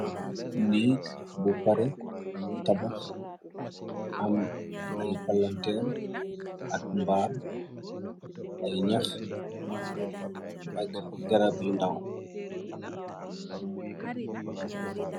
Nake bu pare tabax am ay palanteer ak mbaar ay ñax ak garab yu ndaw.